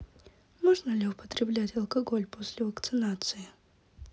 можно ли употреблять алкоголь после вакцинации